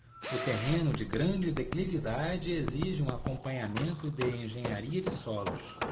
o terreno de grande declividade exige um acompanhamento de engenharia de solos